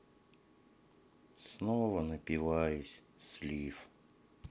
снова напиваюсь слив